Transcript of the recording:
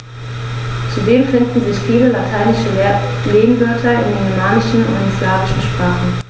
Zudem finden sich viele lateinische Lehnwörter in den germanischen und den slawischen Sprachen.